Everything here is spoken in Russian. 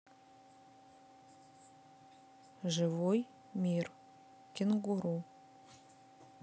живой мир кенгуру